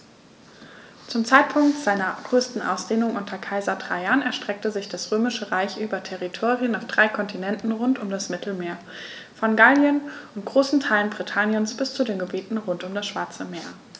Zum Zeitpunkt seiner größten Ausdehnung unter Kaiser Trajan erstreckte sich das Römische Reich über Territorien auf drei Kontinenten rund um das Mittelmeer: Von Gallien und großen Teilen Britanniens bis zu den Gebieten rund um das Schwarze Meer.